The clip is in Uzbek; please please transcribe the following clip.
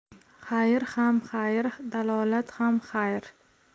xayr ham xayr dalolat ham xayr